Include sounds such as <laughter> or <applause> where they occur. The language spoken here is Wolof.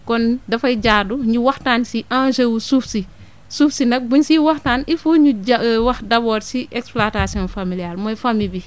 kon dafay jaadu ñu waxtaan si enjeu wu suuf si suuf si nag buñ siy waxtaan il faut ñu ja <hesitation> wax d' abord si exploitation <noise> familiale mooy famille bi